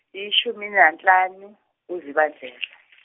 yishumi nanhlanu uZibandlela .